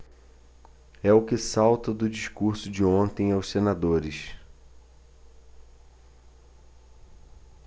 é o que salta do discurso de ontem aos senadores